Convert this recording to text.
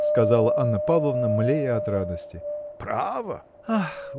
– сказала Анна Павловна, млея от радости. – Право! – Ах!